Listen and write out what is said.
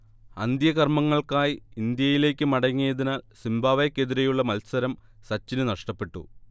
അന്ത്യകർമങ്ങൾക്കായി ഇന്ത്യയിലേക്ക് മടങ്ങിയതിനാൽ സിംബാബ്വേക്കെതിരേയുള്ള മത്സരം സച്ചിന് നഷ്ടപ്പെട്ടു